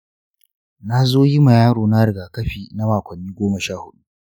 nazo yi ma yaro na rigakafi na makonni goma sha hudu